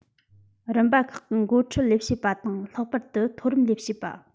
རིམ པ ཁག གི འགོ ཁྲིད ལས བྱེད པ དང ལྷག པར དུ མཐོ རིམ ལས བྱེད པ